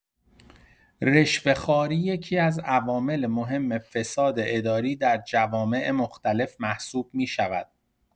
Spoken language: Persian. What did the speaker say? رشوه‌خواری یکی‌از عوامل مهم فساد اداری در جوامع مختلف محسوب می‌شود.